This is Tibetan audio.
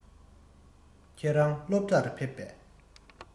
ཁྱེད རང སློབ གྲྭར ཕེབས པས